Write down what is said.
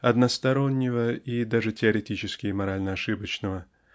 одностороннего и даже теоретически и морально ошибочного.